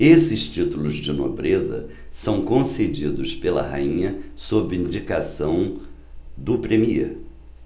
esses títulos de nobreza são concedidos pela rainha sob indicação do premiê